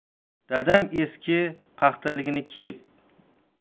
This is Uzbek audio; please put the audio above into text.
dadam eski paxtaligini kiyib